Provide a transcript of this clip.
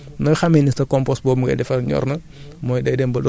mais tey ji boo demoon par exemple ba ñent fukki fan ak juróom yi mat